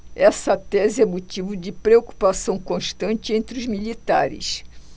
esta tese é motivo de preocupação constante entre os militares